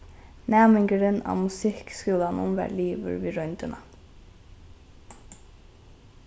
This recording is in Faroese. næmingurin á musikkskúlanum varð liðugur við royndina